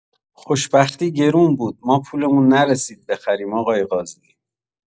خوشبختی گرون بود ما پولمون نرسید بخریم آقای قاضی!